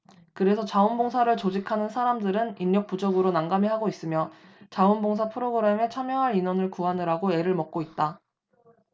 그래서 자원 봉사를 조직하는 사람들은 인력 부족으로 난감해하고 있으며 자원 봉사 프로그램에 참여할 인원을 구하느라고 애를 먹고 있다